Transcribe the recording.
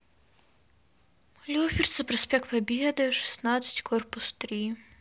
люберцы проспект победы шестнадцать корпус три